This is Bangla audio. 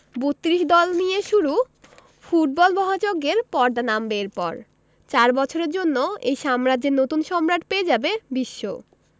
৩২ দল নিয়ে শুরু ফুটবল মহাযজ্ঞের পর্দা নামবে এরপর চার বছরের জন্য এই সাম্রাজ্যের নতুন সম্রাট পেয়ে যাবে বিশ্ব